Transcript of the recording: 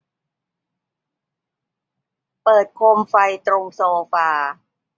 เปิดโคมไฟตรงโซฟา